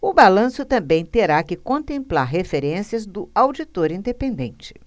o balanço também terá que contemplar referências do auditor independente